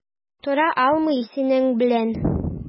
Тора алмыйм синең белән.